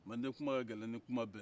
manden kuma ka kɛlɛn ni kuma bɛɛ ye